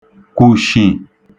kwùshì